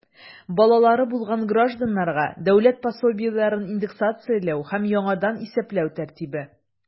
Балалары булган гражданнарга дәүләт пособиеләрен индексацияләү һәм яңадан исәпләү тәртибе.